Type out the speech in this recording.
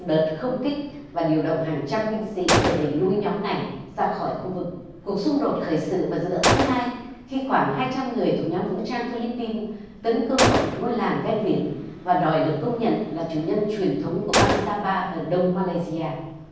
đợt không kích và điều động hàng trăm binh sĩ để đẩy lui nhóm này ra khỏi khu vực cuộc xung đột khởi sự và giữa tháng hai khi khoảng hai trăm người thuộc nhóm vũ trang phi líp pin tấn công vào một ngôi làng ven biển và đòi được công nhận là chủ nhân truyền thống của bang sa ba ở đông ma lay si a